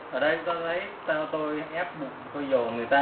các bạn thấy tôi ép bụng tôi dồn hơi xuống bụng